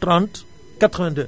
30 82